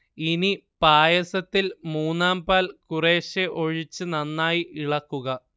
ഇനി പായസത്തിൽ മൂന്നാം പാൽ കുറേശ്ശെ ഒഴിച്ച് നന്നായി ഇളക്കുക